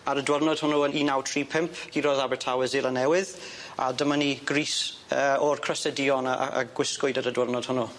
Ar y dwyrnod hwnnw yn un naw tri pump gurodd Abertawe Seland Newydd a dyma ni grys yy o'r cryse duon a a a gwisgwyd ar y dwyrnod hwnnw.